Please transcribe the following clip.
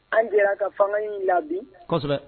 An jɛra ka fanga in labin, kosɛbɛ.